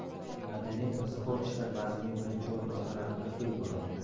madaniyat va sport ishlari vazirining birinchi o'rinbosari haqida so'z boradi